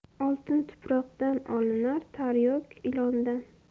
oltin tuproqdan olinar taryok ilondan